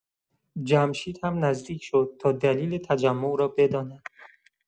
جمشید هم نزدیک شد تا دلیل تجمع را بداند.